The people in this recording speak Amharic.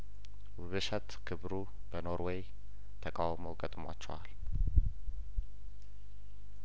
ውብሸት ክብሩ በኖርዌይተቃውሞ ገጥሟቸዋል